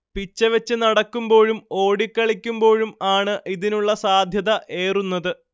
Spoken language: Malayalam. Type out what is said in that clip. പിച്ചവച്ചു നടക്കുമ്പോഴും ഓടിക്കളിക്കുമ്പോഴും ആണ് ഇതിനുള്ള സാധ്യത ഏറുന്നത്